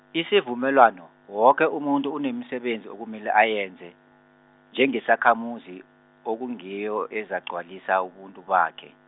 isivumelwano, woke umuntu unemisebenzi okumele ayenze, njengesakhamuzi, okungiyo ezagcwalisa ubuntu bakhe.